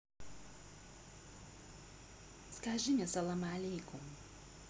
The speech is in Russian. скажи мне салам алейкум